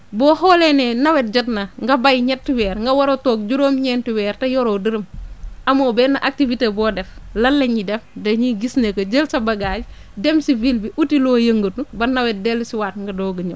boo xoolee ne nawet jot na nga béy ñetti weer nga war a toog juróom-ñeenti weer te yoroo dërëm amoo benn activité boo def lan la ñuy def dañuy gis ne que jël sa bagage dem si ville bi uti loo yëngatu ba nawet dellusiwaat nga doog a ñëw